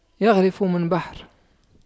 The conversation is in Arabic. يَغْرِفُ من بحر